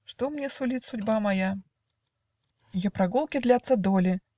Что мне сулит судьба моя?" Ее прогулки длятся доле.